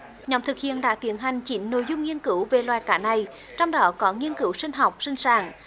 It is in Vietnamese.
nhóm thực hiện đã tiến hành chín nội dung nghiên cứu về loài cá này trong đó có nghiên cứu sinh học sinh sản